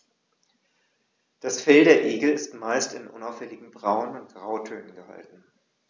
Das Fell der Igel ist meist in unauffälligen Braun- oder Grautönen gehalten.